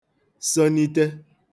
sonite